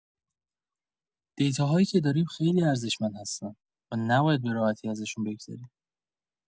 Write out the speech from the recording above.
دیتاهایی که داریم خیلی ارزشمند هستن و نباید به راحتی ازشون بگذریم.